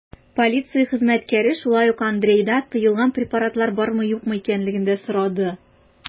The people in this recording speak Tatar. Полиция хезмәткәре шулай ук Андрейда тыелган препаратлар бармы-юкмы икәнлеген дә сорады.